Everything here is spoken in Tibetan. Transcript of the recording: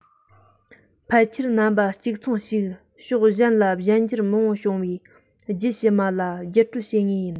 ཕལ ཆེར རྣམ པ གཅིག མཚུངས ཤིག ཕྱོགས གཞན ལ གཞན འགྱུར མང པོ བྱུང བའི རྒྱུད ཕྱི མ ལ བརྒྱུད སྤྲོད བྱེད ངེས རེད